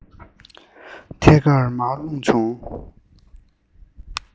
ཐད ཀར མར ལྷུང བྱུང